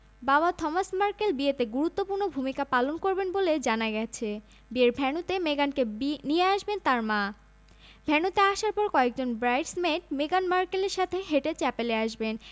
Hollywood বিনোদন সংবাদ মেগান ও হ্যারির বিয়ের সবকিছু জানতে চান আর মাত্র পাঁচ দিন এরপর ছোট পর্দা ও বড় পর্দার তারকা মেগান মার্কেল পাকাপাকিভাবে ব্রিটিশ রাজপরিবারের বধূ হবেন